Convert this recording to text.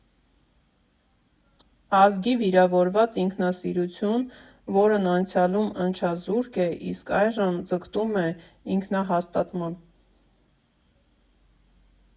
Ազգի վիրավորված ինքնասիրություն, որն անցյալում ընչազուրկ է իսկ այժմ ձգտում է ինքնահաստատման։